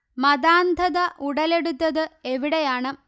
മതാന്ധത ഉടലെടുത്തത് എവിടെയാണ്